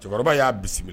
Cɛkɔrɔba ya bisimila.